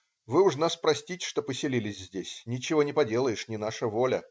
Вы уж нас простите, что поселились здесь, ничего не поделаешь, не наша воля".